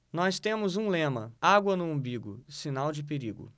nós temos um lema água no umbigo sinal de perigo